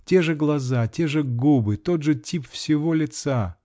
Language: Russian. Те же глаза, те же губы, тот же тип всего лица!